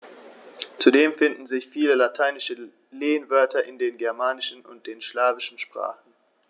Zudem finden sich viele lateinische Lehnwörter in den germanischen und den slawischen Sprachen.